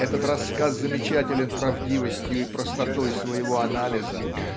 Этот рассказ замечателен правдивостью и простотой своего анализа